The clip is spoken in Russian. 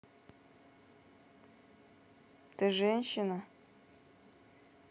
ты женщина